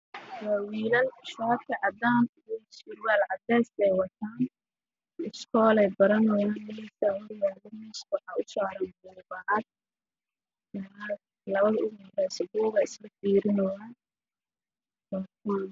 Waa wilal shaati cadaan ah iyo surwaal cadeys ah